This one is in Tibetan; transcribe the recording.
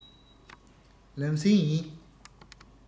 ལམ སེང ཡིན